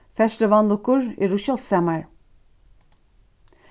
ferðsluvanlukkur eru sjáldsamar